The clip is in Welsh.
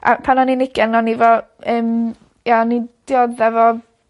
yy pan o'n i'n ugien o'n i fel yym ia o'n i'n diodde 'fo